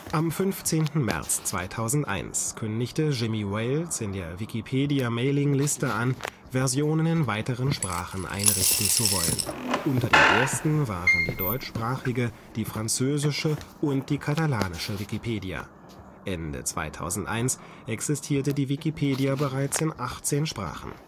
Am 15. März 2001 kündigte Jimmy Wales in der Wikipedia-Mailingliste an, Versionen in weiteren Sprachen einrichten zu wollen; unter den ersten waren die deutschsprachige, die französische und die katalanische Wikipedia. Ende 2001 existierte die Wikipedia bereits in 18 Sprachen